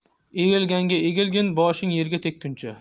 egilganga egilgin boshing yerga tekkuncha